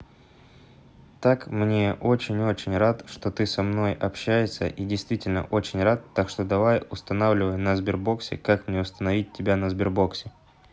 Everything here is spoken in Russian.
так мне очень очень рад что ты со мной общается и действительно очень рад так что давай устанавливай на сбербоксе как мне установить тебя на сбербоксе